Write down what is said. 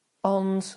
ond